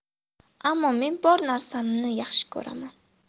ammo men bor narsamni yaxshi ko'raman